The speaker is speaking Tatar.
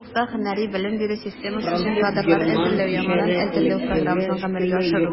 Урта һөнәри белем бирү системасы өчен кадрлар әзерләү (яңадан әзерләү) программасын гамәлгә ашыру.